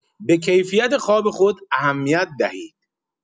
به کیفیت خواب خود اهمیت دهید.